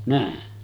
näin